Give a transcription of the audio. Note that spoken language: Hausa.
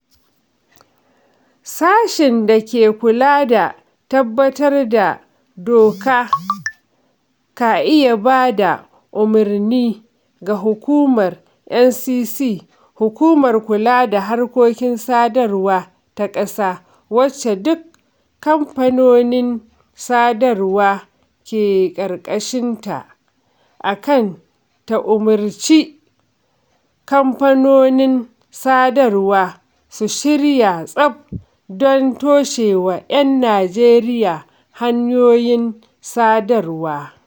Sashen da ke kula da tabbatar da doka ka'iya ba da umarni ga Hukumar NCC [Hukumar Kula da Harkokin Sadrwa ta ƙasa - wacce duk kamfanonin sadarwa ke ƙarƙashinta] a kan ta umarci kamfanonin sadarwar su shirya tsaf don toshewa 'yan Nijeriya hanyoyin sadarwa.